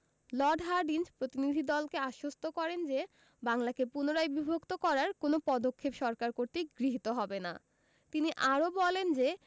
Lord Hardinge প্রতিনিধিদলকে আশ্বস্ত করেন যে বাংলাকে পুনরায় বিভক্ত করার কোনো পদক্ষেপ সরকার কর্তৃক গৃহীত হবে না তিনি আরও বলেন যে